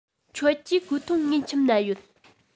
ཁྱོད ཀྱི གོས ཐུང ངའི ཁྱིམ ན ཡོད